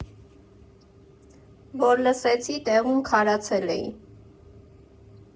Որ լսեցի՝ տեղում քարացել էի։